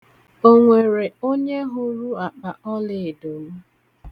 O nwere onye hụrụ akpa ọleedo m?